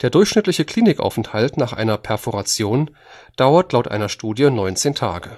durchschnittliche Klinikaufenthalt nach einer Perforation dauert laut einer Studie 19 Tage